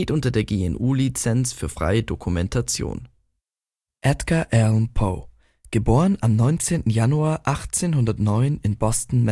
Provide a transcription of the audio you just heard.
unter der GNU Lizenz für freie Dokumentation. Datei:EAPoe.jpg Edgar Allan Poe 1848 (Daguerreotypie) Edgar Allan Poe (* 19. Januar 1809 in Boston